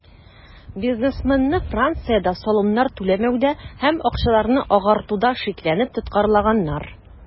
Бизнесменны Франциядә салымнар түләмәүдә һәм акчаларны "агартуда" шикләнеп тоткарлаганнар.